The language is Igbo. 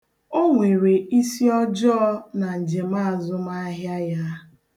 O nwere isiọjọọ na njem azụmaahịa ya.